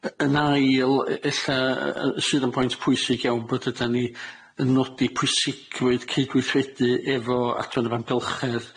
Y- yn ail, e- ella y- y- sydd yn point pwysig iawn, bod ydan ni yn nodi pwysigrwydd cydweithredu efo Adran yr Amgylchedd.